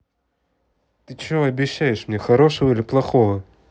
ты чего обещаешь хорошего мне или плохого